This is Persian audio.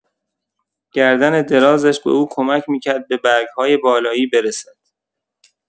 گردن درازش به او کمک می‌کرد به برگ‌های بالایی برسد.